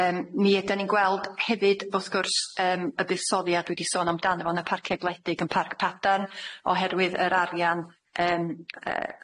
Yym mi ydan ni'n gweld hefyd wrth gwrs yym y buddsoddiad dwi 'di sôn amdano fo yn y parciau gwledig yn Parc Padarn oherwydd yr arian yym yy yy